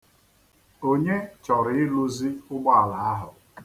Onye chọrọ ịrụzị ụgbọala ahụ.